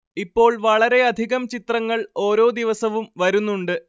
ഇപ്പോൾ വളരെയധികം ചിത്രങ്ങൾ ഓരോ ദിവസവും വരുന്നുണ്ട്